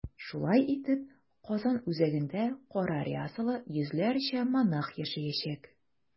Шулай итеп, Казан үзәгендә кара рясалы йөзләрчә монах яшәячәк.